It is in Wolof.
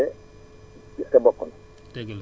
bu dee ñebe est ce que bokk na